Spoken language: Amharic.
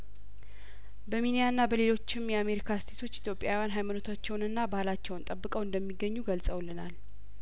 በሚኒያ እና በሌሎችም የአሜሪካ ስቴቶች ኢትዮጵያውያን ሀይማኖታቸውንና ባህላቸውን ጠብቀው እንደሚገኙ ገልጸውልናል